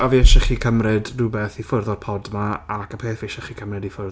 A fi eisiau i chi cymryd rhywbeth i ffwrdd o'r pod yma. Ac y peth fi eisiau chi cymryd i ffwrdd...